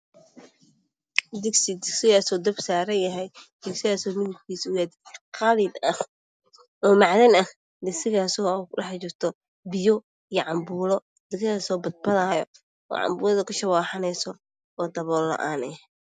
Dugsi dugsiyada dabka saaran oo qalin ah daab ah waxaana ku dhex jiro biyo cambuulo cabdulaahi soo farfaleyso